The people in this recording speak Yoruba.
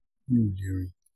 Mi o le rin.